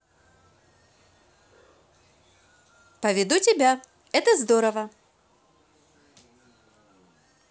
поведу тебя это здорово